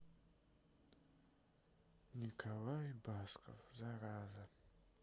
николай басков зараза